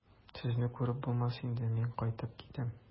Сезне күреп булмас инде, мин кайтып китәм.